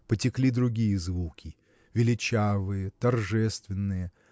Потекли другие звуки, величавые, торжественные